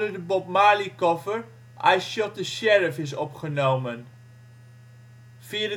de Bob Marley-cover I Shot The Sheriff is opgenomen. 24/7